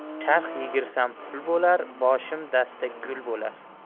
charx yigirsam pul bo'lar boshim dasta gul bo'lar